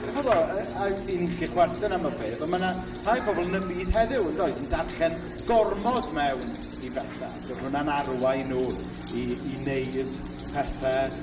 Chibod a ni’n gallu chwerthin am y peth, ond ma' ’na rai pobl yn y byd heddiw, yn does yn darllen gormod mewn i bethau, a bod hwnna'n arwain nhw i i wneud pethau...